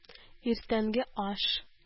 Иртәнге аш